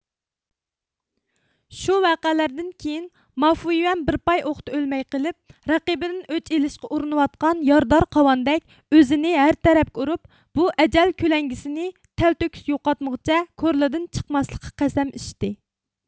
شۇ ۋەقەلەردىن كېيىن مافۈيۈەن بىر پاي ئوقتا ئۆلمەي قېلىپ رەقىبىدىن ئۆچ ئېلىشقا ئۇرۇنۇۋاتقان يارىدار قاۋاندەك ئۆزىنى ھەر تەرەپكە ئۇرۇپ بۇ ئەجەل كۆلەڭگىسى نى تەلتۆكۈس يوقاتمىغۇچە كورلىدىن چىقماسلىققا قەسەم ئىچتى